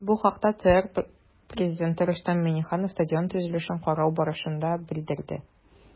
Бу хакта ТР Пррезиденты Рөстәм Миңнеханов стадион төзелешен карау барышында белдерде.